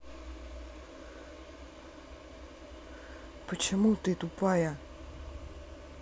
почему ты тупая